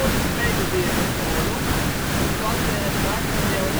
de Tweede Wereldoorlog omvatte het marktaandeel